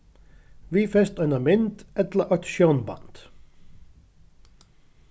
viðfest eina mynd ella eitt sjónband